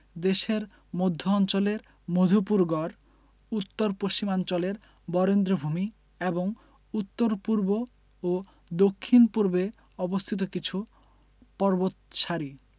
দেশের মধ্য অঞ্চলের মধুপুর গড় উত্তর পশ্চিমাঞ্চলের বরেন্দ্রভূমি এবং উত্তর পূর্ব ও দক্ষিণ পূর্বে অবস্থিত কিছু পর্বতসারি